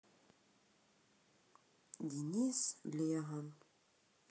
денис леган